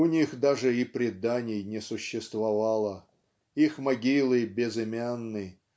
"У них даже и преданий не существовало. Их могилы безымянны.